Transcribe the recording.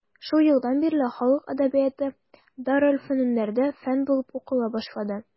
Шул елдан бирле халык әдәбияты дарелфөнүннәрдә фән булып укыла башланды.